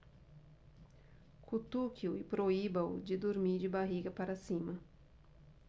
cutuque-o e proíba-o de dormir de barriga para cima